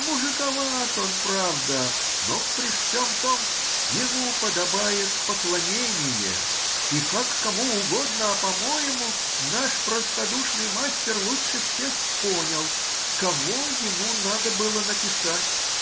мужиковат он, правда, но при всем том ему подобает поклонение, и как кому угодно, а по-моему, наш простодушный мастер лучше всех понял — кого ему надо было написать.